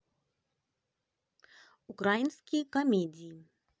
украинские комедии